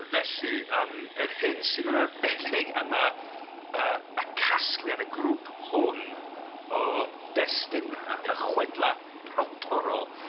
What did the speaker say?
Felly yym yr hyn sydd yn arbennig am y- y casgliad, y grŵp hwn o destunau a chwedlau brodorol...